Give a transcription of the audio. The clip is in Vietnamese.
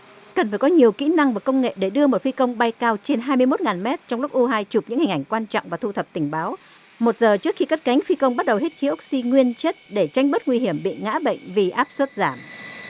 cần phải có nhiều kỹ năng và công nghệ để đưa một phi công bay cao trên hai mươi mốt ngàn mét trong lúc u hai chụp những hình ảnh quan trọng và thu thập tình báo một giờ trước khi cất cánh phi công bắt đầu hết khí ô xi nguyên chất để tránh bớt nguy hiểm bị ngã bệnh vì áp suất giảm